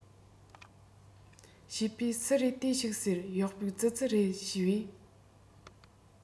བྱས པས སུ རེད ལྟོས ཤོག ཟེར གཡོག པོ ཙི ཙི རེད བྱས པས